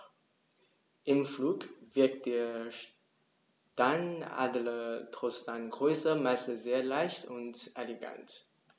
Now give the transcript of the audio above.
Im Flug wirkt der Steinadler trotz seiner Größe meist sehr leicht und elegant.